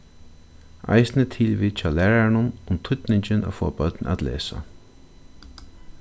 eisini tilvit hjá lærarunum um týdningin at fáa børn at lesa